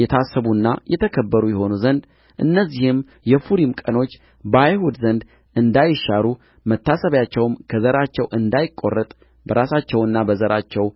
የታሰቡና የተከበሩ ይሆኑ ዘንድ እነዚህም የፉሪም ቀኖች በአይሁድ ዘንድ እንዳይሻሩ መታሰባቸውም ከዘራቸው እንዳይቈረጥ በራሳቸውና በዘራቸው